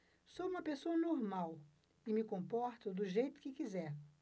sou homossexual e me comporto do jeito que quiser